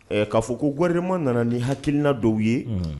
Ka'a fɔ ko grma nana ni hakiina dɔw ye